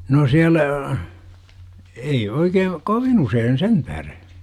no siellä ei oikein kovin usein sen tähden